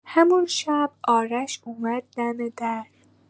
همون شب آرش اومد دم در.